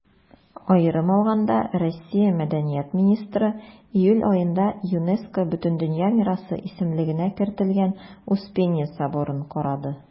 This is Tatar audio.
Аерым алганда, Россия Мәдәният министры июль аенда ЮНЕСКО Бөтендөнья мирасы исемлегенә кертелгән Успенья соборын карады.